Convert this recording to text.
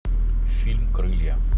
фильм крылья